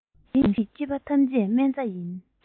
རང བཞིན གྱི སྐྱེས པ ཐམས ཅད སྨན རྩྭ ཡིན